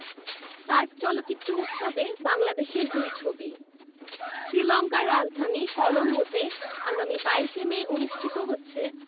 SAARC চলচ্চিত্র উৎসবে বাংলাদেশের দুই ছবি শ্রীলংকার রাজধানী কলম্বোতে আগামী ২২ মে অনুষ্ঠিত হচ্ছে